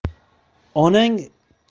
onang chi onang hech